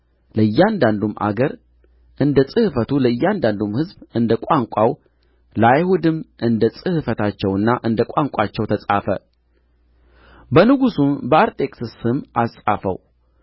ለእያንዳንዱም አገር እንደ ጽሕፈቱ ለእያንዳንዱም ሕዝብ እንደ ቋንቋው ለአይሁድም እንደ ጽሕፈታቸውና እንደ ቋንቋቸው ተጻፈ በንጉሡም በአርጤክስስ ስም አስጻፈው